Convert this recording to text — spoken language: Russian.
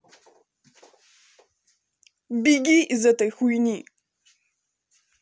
беги из этой хуйни